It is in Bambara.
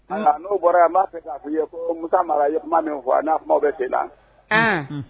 N'o bɔra a'a fɛ k' fɔ ye ko mu mara ye kuma min fɔ an' kuma bɛ ten la